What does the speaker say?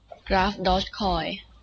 กราฟดอร์จคอย